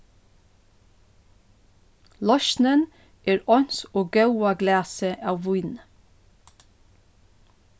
loysnin er eins og góða glasið av víni